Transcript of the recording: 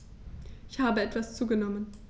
Ich habe etwas zugenommen